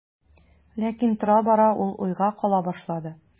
Ләкин тора-бара ул уйга кала башлады.